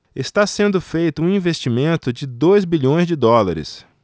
está sendo feito um investimento de dois bilhões de dólares